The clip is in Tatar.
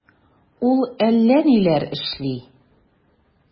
Ул әллә ниләр эшли...